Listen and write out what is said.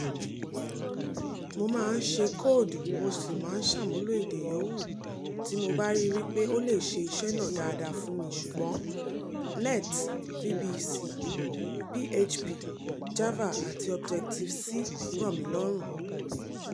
Mo má ń ṣe kọ kóòdù mo sì máa ń sàmúlò èdè yòówù tí mo bá rí wípé ó le se iṣẹ́ náà dáadáa fún mi, ṣùgbọ́n .NET(VB, C#), PHP, Java àti Objective C rọ̀ mí lọ́run.